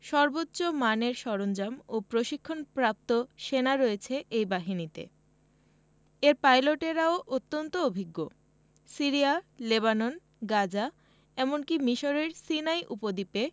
সর্বোচ্চ মানের সরঞ্জাম ও প্রশিক্ষণপ্রাপ্ত সেনা রয়েছে এ বাহিনীতে এর পাইলটেরাও অত্যন্ত অভিজ্ঞ সিরিয়া লেবানন গাজা এমনকি মিসরের সিনাই উপদ্বীপে